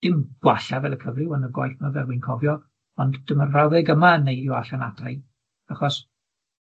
Dim gwalla fel y cyfryw yn y gwaith 'my fel wi'n cofio, ond dyma'r frawddeg yma y neidio allan ato i, achos